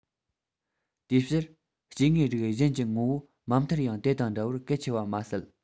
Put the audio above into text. དེའི ཕྱིར སྐྱེ དངོས རིགས གཞན གྱི ངོ བོ མ མཐར ཡང དེ དང འདྲ བར གལ ཆེ བ མ ཟད